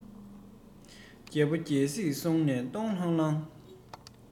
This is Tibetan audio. རྒྱལ པོ རྒྱལ གཞིས ཟོས ནས ལྟོགས ལྷང ལྷང